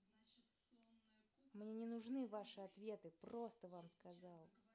мне не нужны ваши ответы просто вам сказал